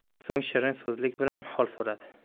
so'ng shirin so'zlik bilan hol so'radi